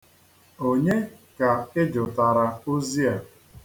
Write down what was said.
Onye ka ị jụtara ozi a?